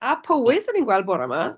A Powys o'n i'n gweld bore 'ma.